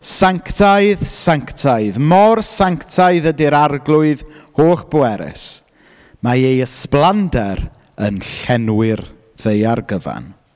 Sanctaidd, sanctaidd, mor sanctaidd ydy'r arglwydd holl-bwerus. Mae ei ysblander yn llenwi'r ddaear gyfan.